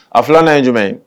A filanna ye jumɛn?